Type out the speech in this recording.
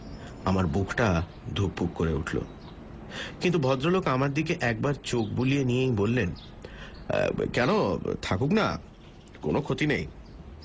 আমার বুকটা ধুকপুক করে উঠল কিন্তু ভদ্রলোক আমার দিকে একবার চোখ বুলিয়ে নিয়েই বললেন কেন থাকুক না কোনও ক্ষতি নেই